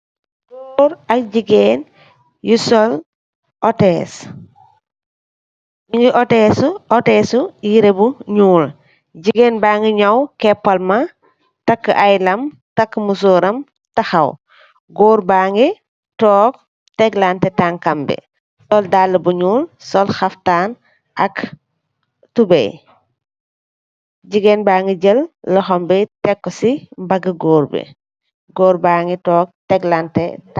Goor al jigéen yu sol, ottees. Ñu ngi ottésu yiree bu ñuul. Jigeen ba ngi sol, keepal ma, takkë ay lam, takkë musooram taxaw. Goor baa ngi toog, teklaante tañkam, sol daalë bu ñuul ak tubooy. Jigeen baa ngi jël loxom bi tek ko si mbaggi goor gi. Goor gaa ngi toog teklaante tañkam.